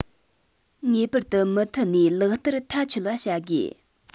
ངེས པར དུ མུ མཐུད ནས ལག བསྟར མཐའ འཁྱོལ བ བྱ དགོས